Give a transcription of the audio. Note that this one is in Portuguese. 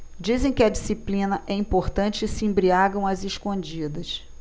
dizem que a disciplina é importante e se embriagam às escondidas